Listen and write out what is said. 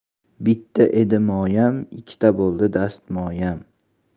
bitta edi moyam ikkita bo'ldi dastmoyam